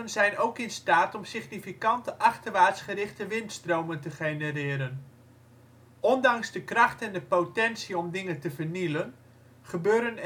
zijn ook in staat om significante achterwaarts gerichte windstromen te genereren. Ondanks de kracht en de potentie om dingen te vernielen gebeuren